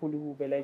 Foli'u kɛ